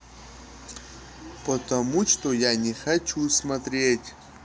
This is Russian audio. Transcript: потому что я не хочу смотреть